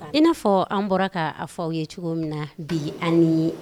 I n'a fɔ an bɔra k' a fɔ aww ye cogo min na bi an ye